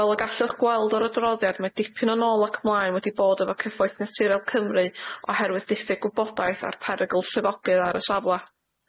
Fel y gallwch gweld o'r adroddiad mae dipyn o nôl ac mlaen wedi bod efo cyfoeth naturiol Cymru oherwydd diffyg wybodaeth a'r perygl llifogydd ar y safle.